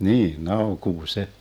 niin naukuu se